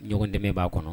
Ɲɔgɔn dɛmɛ b'a kɔnɔ